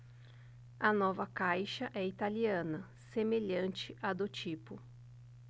a nova caixa é italiana semelhante à do tipo